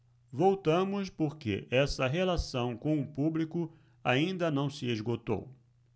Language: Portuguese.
voltamos porque essa relação com o público ainda não se esgotou